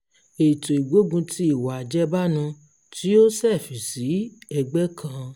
Ètò ìgbógunti ìwà àjẹbánu ti o ṣẹ fì sí ẹ̀gbẹ́ kan.